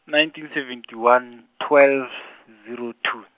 nineteen seventy one, twelve, zero two.